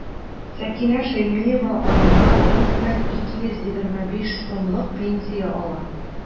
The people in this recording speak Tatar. Сәкинә Шәймиева аена 4 мең 225 сумлык пенсия ала.